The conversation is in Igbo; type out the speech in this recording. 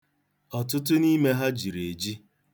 Ọtụtụ n'ime ha jiri eji.